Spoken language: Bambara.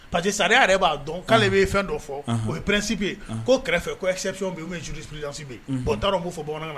Pa que sa de b'a dɔn'ale bɛ fɛn dɔ fɔ o ye pɛsipye yen ko kɛrɛfɛ u bɛ jurulalansiye bɔn taara' fɔ bamanan na